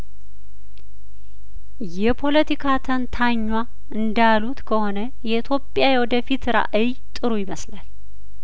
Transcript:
የፖለቲካ ተንታኟ እንዳሉት ከሆነ የኢትዮጲያ የወደፊት ራእይ ጥሩ ይመስላል